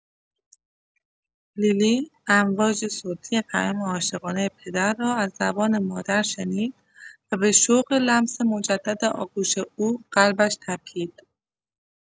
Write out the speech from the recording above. لیلی، امواج صوتی پیام عاشقانه پدر را از زبان مادر شنید و به‌شوق لمس مجدد آغوش او قلبش تپید.